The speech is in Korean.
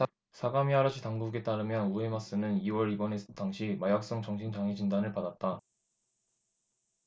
사가미하라시 당국에 따르면 우에마쓰는 이 월 입원했을 당시 마약성 정신장애진단을 받았다